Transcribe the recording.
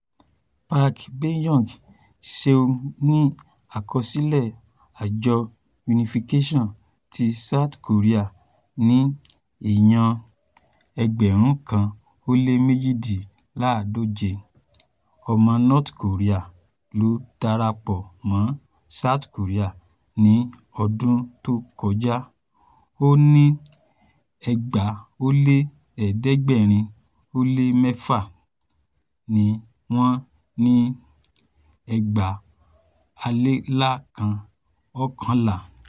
Park Byeong-seug ní àkọsílẹ̀ àjọ Unification ti South Korea ní èèyàn 1,127 ọmọ North Korea ló darapọ̀ mọ́ South Korea ní ọdún tó kọjá. Ó ní 2,706 ni wọ́n ní 2011.